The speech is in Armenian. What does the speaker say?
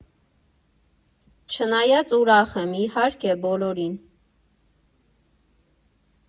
Չնայած ուրախ եմ, իհարկե, բոլորին։